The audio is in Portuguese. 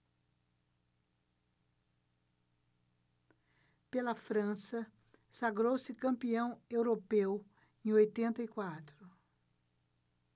pela frança sagrou-se campeão europeu em oitenta e quatro